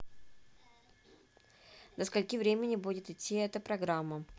до скольки времени будет идти эта программа